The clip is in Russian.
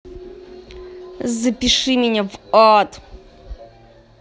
запиши меня в ад